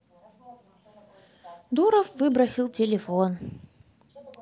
дуров выбросил телефон